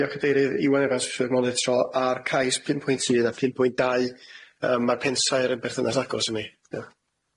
Diolch gadeirydd, Iwan Evans isio monitro ar cais pum pwynt un a pum pwynt dau yym ma'r pensaer yn berthynas agos i mi. Iawn.